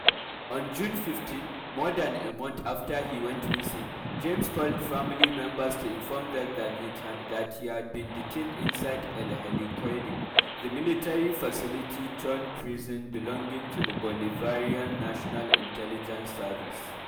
On June 15, more than a month after he went missing, Jaimes called family members to inform them that he had been detained inside El Helicoide, the military facility turned prison belonging to the Bolivarian National Intelligence Service (SEBIN).